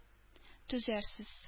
Төзәрсез